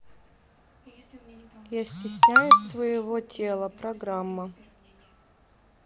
я стесняюсь своего тела программа